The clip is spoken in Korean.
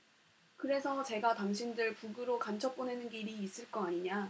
그래서 제가 당신들 북으로 간첩 보내는 길이 있을 거 아니냐